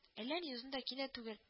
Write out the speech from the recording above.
Әллә ни озында киңдә түгел